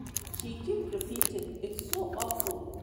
She keeps repeating 'it's so awful'.